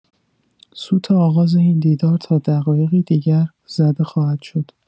سوت آغاز این دیدار تا دقایقی دیگر زده خواهد شد.